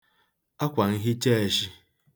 akwànhicheēshị̄